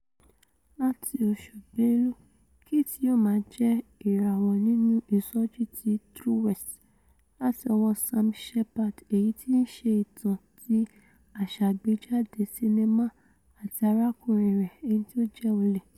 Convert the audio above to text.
Láti oṣù Bélú Kit yóò máa jẹ́ ìràwọ nínú ìsọjí ti True West láti ọwọ́ Sam Shepard èyití i ṣe ìtàn ti aṣàgbéjáde sinnimá àti arákùnrin rẹ̀, ẹniti o jẹ́ olè.